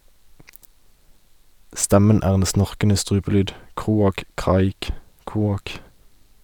Stemmen er en snorkende strupelyd, kroak-kraik- kroak.